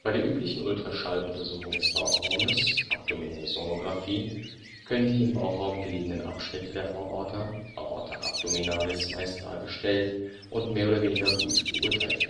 der üblichen Ultraschalluntersuchung des Bauchraumes (abdominelle Sonografie) können die im Bauchraum gelegenen Abschnitte der Aorta (Aorta abdominalis) meist dargestellt und mehr oder weniger gut beurteilt